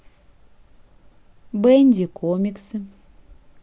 бенди комиксы